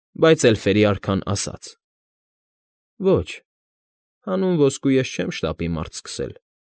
Բայց էլֆերի արքան ասաց. ֊ Ոչ, հանուն ոսկու ես չեմ շտապի մարտ սկսել։